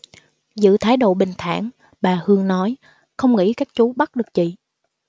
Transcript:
giữ thái độ bình thản bà hương nói không nghĩ các chú bắt được chị